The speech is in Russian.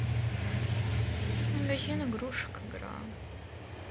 магазин игрушек игра